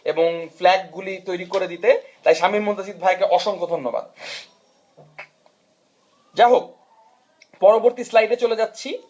এবং ফ্ল্যাগ গুলি তৈরি করে দিতে তাই স্বামীর মুনতাসির ভাইয়াকে অসংখ্য ধন্যবাদ যাহোক পরবর্তী স্লাইডে চলে যাচ্ছি